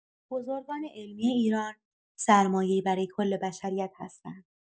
بزرگان علمی ایران سرمایه‌ای برای کل بشریت هستند.